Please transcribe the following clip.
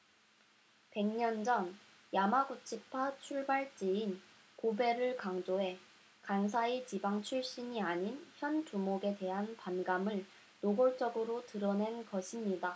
백 년 전 야마구치파 출발지인 고베를 강조해 간사이 지방 출신이 아닌 현 두목에 대한 반감을 노골적으로 드러낸 것입니다